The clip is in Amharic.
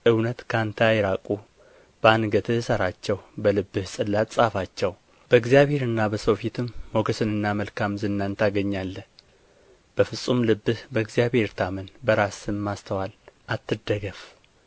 እውነት ከአንተ አይራቁ በአንገትህ እሰራቸው በልብህ ጽላት ጻፋቸው በእግዚአብሔርና በሰው ፊትም ሞገስንና መልካም ዝናን ታገኛለህ በፍጹም ልብህ በእግዚአብሔር ታመን በራስህም ማስተዋል አትደገፍ